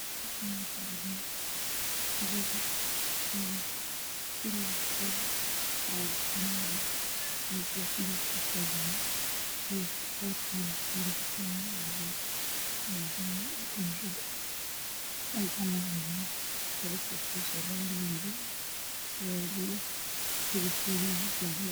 Waa bambal midafkiisu yahay madow waxaa ku jira catiin dahabi ah